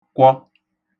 kwọ